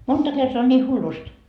monta kertaa on niin hullusti